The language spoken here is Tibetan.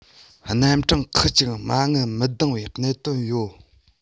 རྣམ གྲངས ཁག གཅིག མ དངུལ མི ལྡེང བའི གནད དོན ཡོད